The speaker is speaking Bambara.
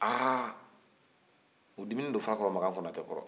aaah u diminen don farakɔrɔ makan konate kɔrɔ